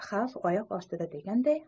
xavf oyoq ostida deganday